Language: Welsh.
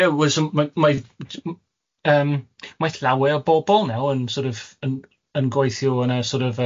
Ie, well so ma- mae t- m- yym... Mae llawer o bobol naw' yn sor' of, yn yn gweithio yn y sor' of yym